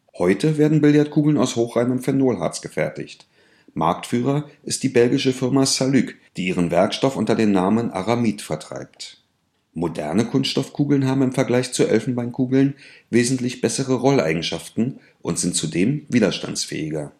Heute werden Billardkugeln aus hochreinem Phenolharz gefertigt. Marktführer ist die belgische Firma Saluc, die ihren Werkstoff unter dem Namen Aramith vertreibt. Moderne Kunststoff-Kugeln haben im Vergleich zu Elfenbeinkugeln wesentlich bessere Rolleigenschaften und sind zudem widerstandsfähiger